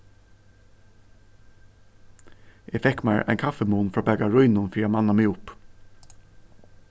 eg fekk mær ein kaffimunn frá bakarínum fyri at manna meg upp